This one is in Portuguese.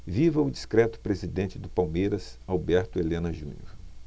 viva o discreto presidente do palmeiras alberto helena junior